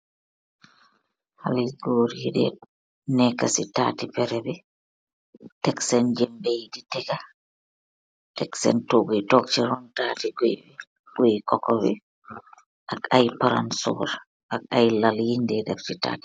Haleh yu gorr yudae neka ci taati pehreh bii, tek sen njiit bei di tehgah, tek sen togu yii tok chi ron taati guiiy, guiiy coco bi ak iiy palansorr, ak iiy lal yingh dae def ci taati